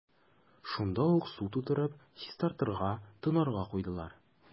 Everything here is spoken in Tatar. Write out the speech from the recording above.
Шунда ук су тутырып, чистарырга – тонарга куйдылар.